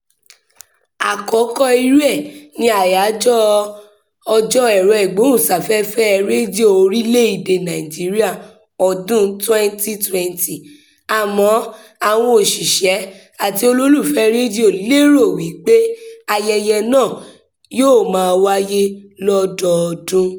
Àkọ́kọ́ irú ẹ̀ ni Àyájọ́ Ọjọ́ Ẹ̀rọ-ìgbóhùnsáfẹ́fẹ́ Rédíò Orílẹ̀-èdèe Nàìjíríà ọdún-un 2020 àmọ́ àwọn òṣìṣẹ́ àti olólùfẹ́ẹ̀ rédíò lérò wípé ayẹyẹ náà yóò máa wáyé lọ́dọọdún.